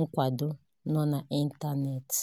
nkwado nọ n'ịntaneetị.